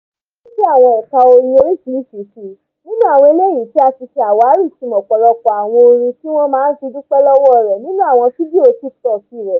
Eléyìí mú u nífẹ̀ẹ́ àwọn ẹ̀ka orin orísìíríṣìí sí, nínú àwọn eléyìí tí a ti ṣe àwárí ìtumọ̀ ọ̀pọ̀lọpọ̀ àwọn orin tí wọ́n máa ń fi dúpẹ́ lọ́wọ́ rẹ̀ nínu àwọn fídíò Tiktok rẹ.